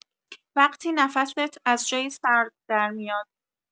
وقتی نفست از جای سرد درمیاد